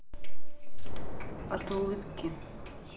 от улыбки